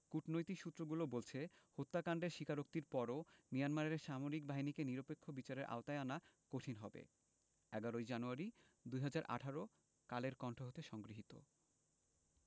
কূটনৈতিক সূত্রগুলো বলছে হত্যাকাণ্ডের স্বীকারোক্তির পরও মিয়ানমারের সামরিক বাহিনীকে নিরপেক্ষ বিচারের আওতায় আনা কঠিন হবে ১১ জানুয়ারি ২০১৮ কালের কন্ঠ হতে সংগৃহীত